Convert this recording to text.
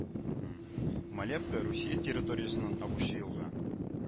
Молебка Русия территориясеннән агучы елга